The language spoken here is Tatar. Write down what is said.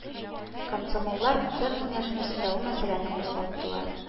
Комсомоллар цех киңәшмәсендә ул мәсьәләне кузгаттылар